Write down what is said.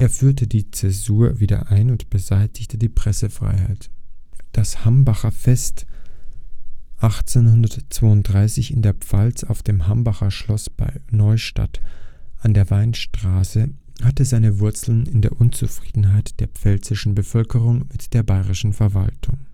führte die Zensur wieder ein und beseitigte die Pressefreiheit. Das Hambacher Fest 1832 in der Pfalz auf dem Hambacher Schloss bei Neustadt an der Weinstraße hatte seine Wurzeln in der Unzufriedenheit der pfälzischen Bevölkerung mit der bayerischen Verwaltung